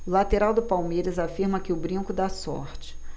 o lateral do palmeiras afirma que o brinco dá sorte